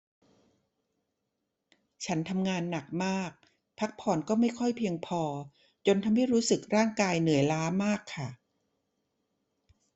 ฉันทำงานหนักมากพักผ่อนก็ไม่ค่อยเพียงพอจนทำให้รู้สึกร่างกายเหนื่อยล้ามากค่ะ